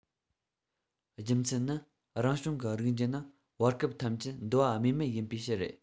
རྒྱུ མཚན ནི རང བྱུང གི རིགས འབྱེད ནང བར སྐབས ཐམས ཅད འདུ བ སྨོས མེད ཡིན པའི ཕྱིར རེད